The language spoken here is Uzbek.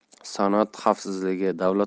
sanoat xavfsizligi davlat